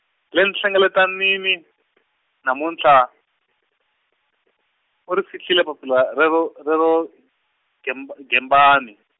le nhlengeletanwini, namuntlha, u ri fihlile papila rero, rero, Gemb- Gembani.